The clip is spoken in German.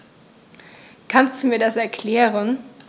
Kannst du mir das erklären?